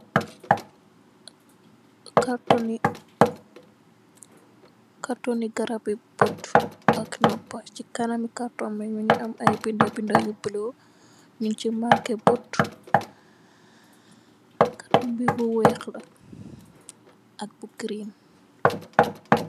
Kartoni, kartoni garabi boht ak nopah, chi kanami karton bii mungy ameh aiiy binda binda yu bleu, njung chi markeh boht, karton bii bu wekh la ak bu green.